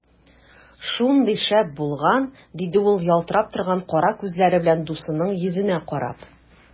Шундый шәп булган! - диде ул ялтырап торган кара күзләре белән дусының йөзенә карап.